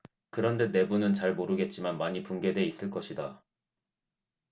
그런데 내부는 잘은 모르겠지만 많이 붕괴돼 있을 것이다